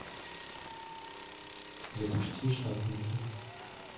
запусти шахматы